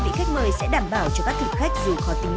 sẽ đảm bảo cho